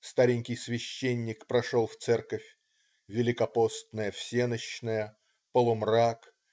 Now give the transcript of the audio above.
Старенький священник прошел в церковь. Великопостная всенощная. Полумрак.